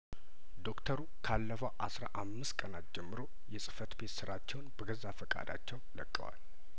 ዶክተሩ ካለፈው አስራ አምስት ቀናት ጀምሮ የጽፈት ቤት ስራቸውን በገዛ ፍቃዳቸው ለቀዋል